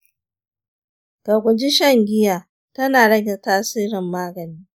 ka guji shan giya; tana rage tasirin magani.